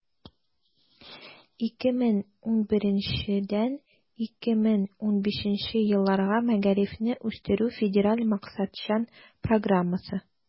2011 - 2015 елларга мәгарифне үстерү федераль максатчан программасы.